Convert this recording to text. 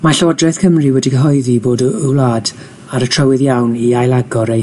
Ma' Llywodraeth Cymru wedi cyhoeddi bod y y wlad ar y trywydd iawn i ail-agor ei